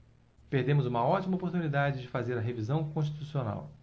perdemos uma ótima oportunidade de fazer a revisão constitucional